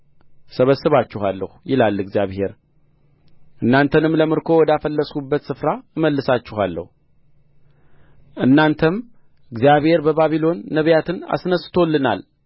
እሰበስባችኋለሁ ይላል እግዚአብሔር እናንተንም ለምርኮ ወዳፈለስሁበት ስፍራ እመልሳችኋለሁ እናንተም እግዚአብሔር በባቢሎን ነቢያትን አስነሥቶልናል